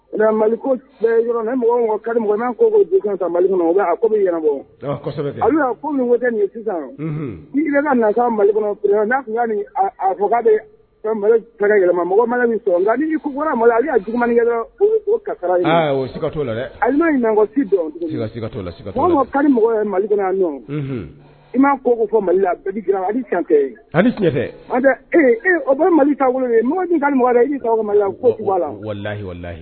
Mali yɔrɔ nin sisan malia tun fɔ bɛma mɔgɔ nka jugukɛ nakɔ mɔgɔ mali i m ma ko ko fɔ mali la tɛ e o mali' mɔgɔ i mali la